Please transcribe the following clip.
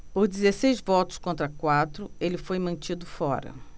por dezesseis votos contra quatro ele foi mantido fora